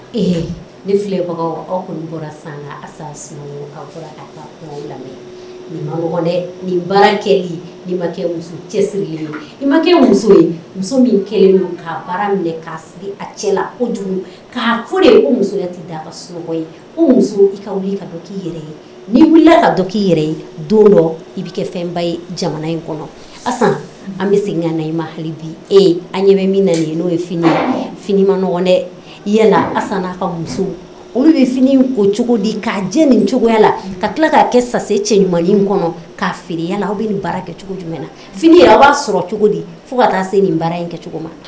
Ni bɔra cɛsiri i ma muso minɛ a cɛ muso musoi ye ni wili ka k'i yɛrɛ ye don dɔ i bɛ kɛ fɛnba ye jamana in kɔnɔ an bɛ segin i ma hali bi e an ɲɛ min na ye n'o ye fini fini maɔgɔnɛ yala' ka muso olu bɛ fini ko cogo di ka jɛ nin cogoya la ka tila k'a kɛ sa cɛ ɲuman kɔnɔ'a feereya aw bɛ nin baara kɛ cogo jumɛn na fini b'a sɔrɔ cogo di fo ka taa se nin baara in kɛ ma